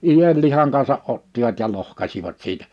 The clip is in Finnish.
ienlihan kanssa ottivat ja lohkaisivat siitä